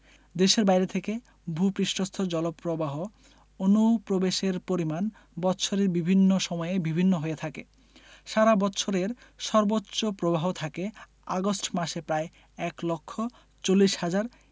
দেশের বাইরে থেকে ভূ পৃষ্ঠস্থ জলপ্রবাহ অনুপ্রবেশের পরিমাণ বৎসরের বিভিন্ন সময়ে বিভিন্ন হয়ে থাকে সারা বৎসরের সর্বোচ্চ প্রবাহ থাকে আগস্ট মাসে প্রায় এক লক্ষ চল্লিশ হাজার